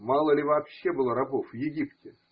Мало ли вообще было рабов в Египте?